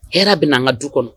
Hɛrɛ bɛ an ka du kɔnɔ